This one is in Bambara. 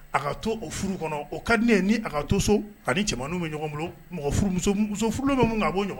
A ka to o furu kɔnɔ o ka di ne ye ni a ka to so a ni cɛmanniw bɛ ɲɔgɔn bolo, mɔgɔ, muso furulen bɛ mun kɛ a b'o ɲɔgɔn kɛ!